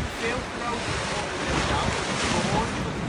veel grotere Onderdendam behoorde tot